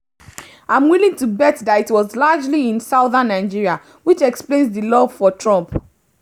I'm willing to bet that it was largely in southern Nigeria, which explains the love of Trump.